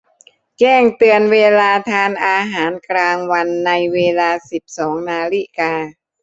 แจ้งเตือนเวลาทานอาหารกลางวันในเวลาสิบสองนาฬิกา